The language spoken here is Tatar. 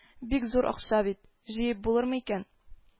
Бик зур акча бит, җыеп булыр микән